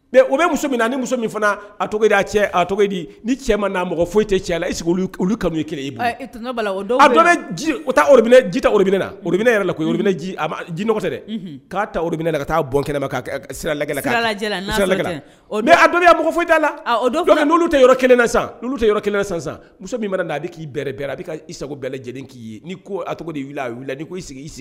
O bɛ muso min na ni muso min fana cogo di cɛ mɔgɔ foyi tɛ cɛ i sigi kelen i ji na ne yɛrɛ la ji tɛ dɛ k'a ka taa bɔn sira dɔn mɔgɔ foyi la n tɛ kelen san yɔrɔ kelen san muso min' a k'i bɛrɛ a bɛ i sago bɛɛ lajɛlen k'i ye ni a cogo wili wili sigi sigi